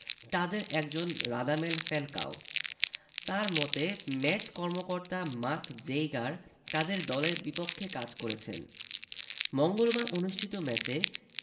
তাদের একজন Radamel Falcao তার মতে ম্যাচ কর্মকর্তা মার্ক জেইগার তাদের দলের বিপক্ষে কাজ করেছেন মঙ্গলবার অনুষ্ঠিত ম্যাচে